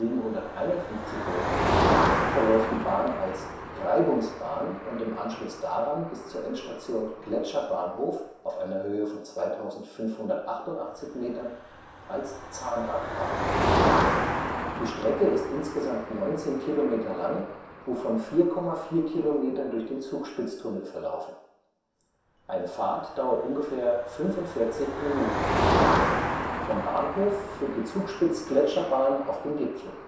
751 m) verläuft die Bahn als Reibungsbahn und im Anschluss daran bis zur Endstation Gletscher-Bahnhof (2588 m) als Zahnradbahn. Die Strecke ist insgesamt 19 km lang, wovon 4,4 km durch den Zugspitz-Tunnel verlaufen. Eine Fahrt dauert ungefähr 45 min. Vom Bahnhof führt die Zugspitz-Gletscherbahn auf den Gipfel